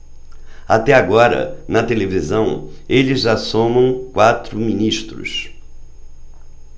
até agora na televisão eles já somam quatro ministros